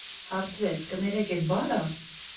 Հարցրեց՝ կներեք էս բա՞ր ա։